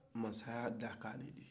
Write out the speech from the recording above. mansaya ye dakan de ye